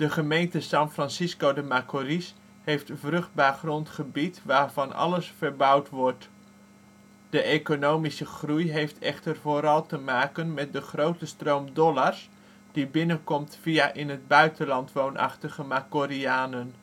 gemeente San Francisco de Macorís heeft vruchtbaar grondgebied waar van alles verbouwd wordt. De economische groei heeft echter vooral te maken met de grote stroom dollars die binnenkomt via in het buitenland woonachtige Macorianen